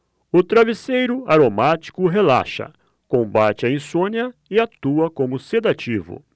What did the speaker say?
o travesseiro aromático relaxa combate a insônia e atua como sedativo